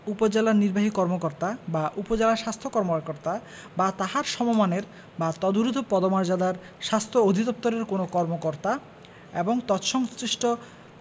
উপজেলা নির্বাহী কর্মকর্তা বা উপজেলা স্বাস্থ্য কর্মকর্তা বা তাঁহার সমমানের বা তদূর্ধ্ব পদমর্যাদার স্বাস্থ্য অধিদপ্তরের কোন কর্মকর্তা এবং ততসংশ্লিষ্ট